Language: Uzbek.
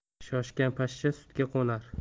shoshgan pashsha sutga qo'nar